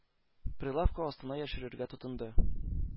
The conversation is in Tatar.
Прилавка астына яшерергә тотынды.